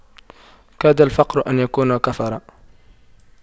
كاد الفقر أن يكون كفراً